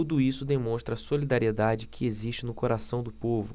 tudo isso demonstra a solidariedade que existe no coração do povo